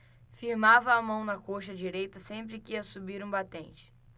firmava a mão na coxa direita sempre que ia subir um batente